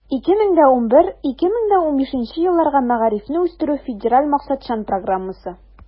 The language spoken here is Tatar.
2011 - 2015 елларга мәгарифне үстерү федераль максатчан программасы.